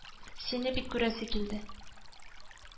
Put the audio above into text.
Аннан бөтенләй шып туктады.